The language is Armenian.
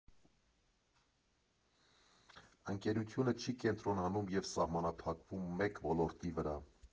Ընկերությունը չի կենտրոնանում և սահմանափակվում մեկ ոլորտի վրա։